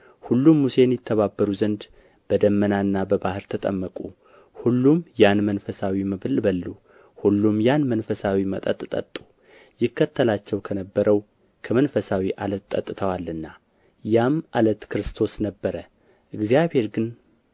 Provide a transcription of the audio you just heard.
ሁሉም ሙሴን ይተባበሩ ዘንድ በደመናና በባሕር ተጠመቁ ሁሉም ያን መንፈሳዊ መብል በሉ ሁሉም ያን መንፈሳዊ መጠጥ ጠጡ ይከተላቸው ከነበረው ከመንፈሳዊ ዓለት ጠጥተዋልና ያም ዓለት ክርስቶስ ነበረ እግዚአብሔር ግን